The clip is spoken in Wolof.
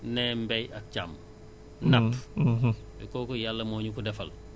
bu ñu dellu see maintenant ci mbirum élevage ku wax région de Louga